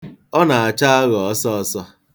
Ọ ga-acha aghọ ọsọsọsọ.